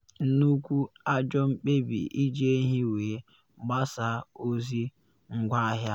“Nnukwu ajọ mkpebi iji ehi wee gbasaa ozi ngwaahịa a.